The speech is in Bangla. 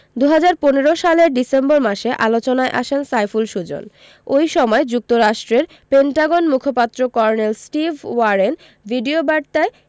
২০১৫ সালের ডিসেম্বর মাসে আলোচনায় আসেন সাইফুল সুজন ওই সময় যুক্তরাষ্ট্রের পেন্টাগন মুখপাত্র কর্নেল স্টিভ ওয়ারেন ভিডিওবার্তায়